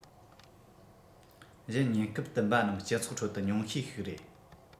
གཞན ཉེན སྐབས བསྟུན པ རྣམས སྤྱི ཚོགས ཁྲོད དུ ཉུང ཤས ཤིག རེད